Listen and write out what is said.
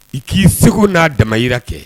I k'i segu n'a damahira kɛ